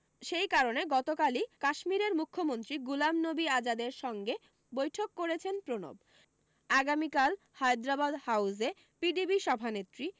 সেই কারণে গত কালি কাশ্মীরের মুখ্যমন্ত্রী গুলাম নবি আজাদের সঙ্গে বৈঠক করেছেন প্রণব আগামীকাল হায়দরাবাদ হাউসে পিডিপি সভানেত্রী